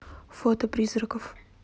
фото призраков